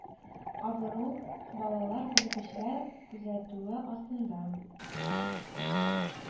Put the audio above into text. Авыру балалар белгечләр күзәтүе астында